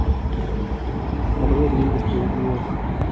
смотреть лига справедливости